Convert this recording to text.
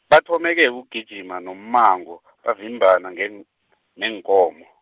bathome ke ukugijima nommango, bavimbana ngen-, neenkomo.